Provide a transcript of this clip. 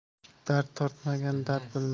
dard tortmagan dard bilmas